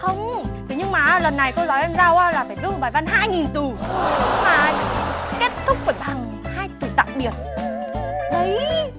không thế nhưng mà lần này cô giáo em giao là phải viết một bài văn hai nghìn từ mà kết thúc phải bằng hai từ tạm biệt đấy